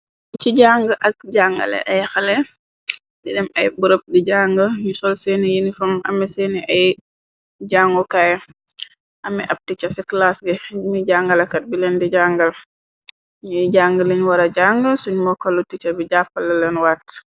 Ci jànge ak jàngale, ay xale di dem ay bërëb di jang ñu sol seeni iniform ame seeni ay jàngukaay, ame ab tica ci klaas gi, mi jangalekat bi leen di jangal, ñi jang liñ wara jang suñ mokkalu tica bi jàppalaleen wàtt.